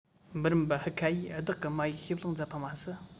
འབུམ རམས པ ཧུ ཁ ཡིས བདག གི མ ཡིག ཞིབ བཀླགས མཛད པ མ ཟད